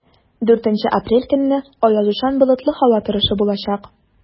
4 апрель көнне аязучан болытлы һава торышы булачак.